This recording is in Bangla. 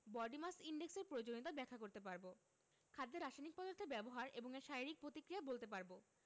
বডি মাস ইনডেক্স এর প্রয়োজনীয়তা ব্যাখ্যা করতে পারব খাদ্যে রাসায়নিক পদার্থের ব্যবহার এবং এর শারীরিক প্রতিক্রিয়া বলতে পারব